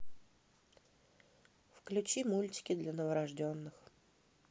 включи мультики для новорожденных